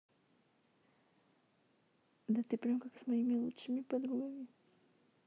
да ты прям как с моими лучшими подругами